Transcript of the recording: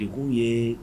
Bi ye